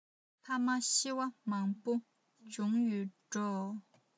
ཕ མ ཤི བ མང པོ བྱུང ཡོད འགྲོ